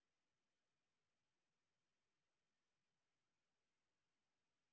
смотреть анка с молдаванки